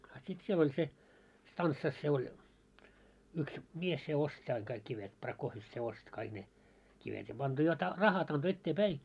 a sitten siellä oli se stanssassa se oli yksi mies se osti aina kaikki kivet Prakofjef se osti kaikki ne kivet ja antoi jotta - rahat antoi eteenpäin